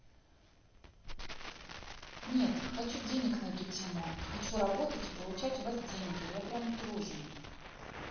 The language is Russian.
нет хочу денег на эту тему хочу работать и получать у вас деньги я прямо труженик